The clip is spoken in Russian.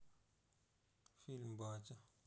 фильм батя